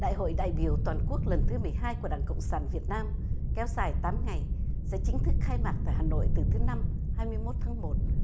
đại hội đại biểu toàn quốc lần thứ mười hai của đảng cộng sản việt nam kéo dài tám ngày sẽ chính thức khai mạc tại hà nội từ thứ năm hai mươi mốt tháng một